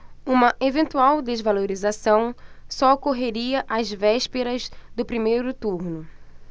uma eventual desvalorização só ocorreria às vésperas do primeiro turno